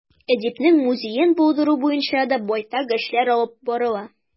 Әдипнең музеен булдыру буенча да байтак эшләр алып барыла.